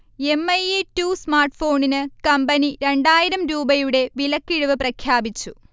M. I. A. Two സ്മാർട്ഫോണിന് കമ്ബനി രണ്ടായിരം രൂപയുടെ വിലക്കിഴിവ് പ്രഖ്യാപിച്ചു